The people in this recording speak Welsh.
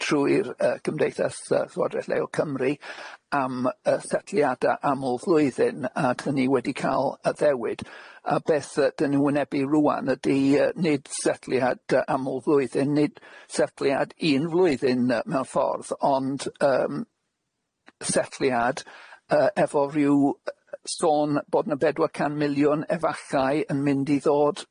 trwy'r y- Gymdeithas y- Llywodraeth Leol Cymru am y- setliada aml-flwyddyn a dani wedi cal addewid a beth y- deni'n wynebu rŵan ydi y- nid setliad y- aml-flwyddyn nid setliad un flwyddyn y- mewn ffordd ond yym setliad y- efo ryw y- y- sôn bod na bedwar can miliwn efallai yn mynd i ddod.